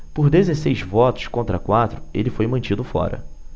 por dezesseis votos contra quatro ele foi mantido fora